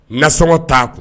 Nasɔngɔ t'a kun